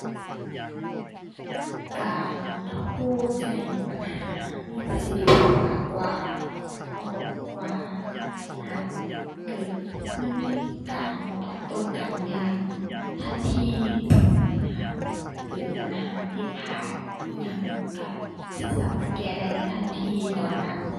การโทรแจ้งปัญหามีประสิทธิภาพมากกว่า เพราะว่าหากเกิดมันมีการตอบโต้กันอย่างทันที หากเกิดปัญหาผิดพลาด อิหยังก็สิสามารถแก้ได้ในทันทีตอนนั้น